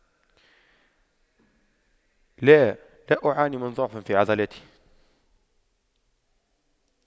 لا لا أعاني من ضعف في عضلاتي